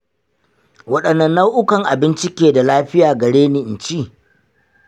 waɗanne nau'ukan abinci ke da lafiya gareni in ci?